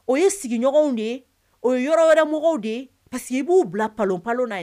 O ye sigiɲɔgɔnw de ye o ye yɔrɔ wɛrɛ mɔgɔw de ye pa que b'u bila pan balolon'a ye